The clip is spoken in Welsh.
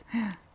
Ia.